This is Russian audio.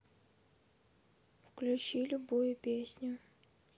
включи любую песню